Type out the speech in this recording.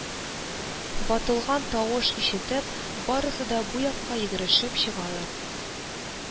Ватылган тавыш ишетеп, барысы да бу якка йөгерешеп чыгалар